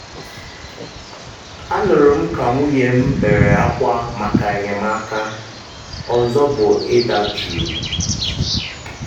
“A nụrụ m ka nwunye m bere akwa maka enyemaka, ọzọ bụ ịda jụụ.